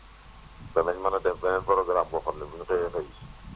danañ mën a def beneen programme boo xam ne bu ñu xëyee xëy si